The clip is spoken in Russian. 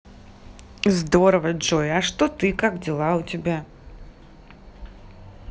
здорово джой а что ты как дела у тебя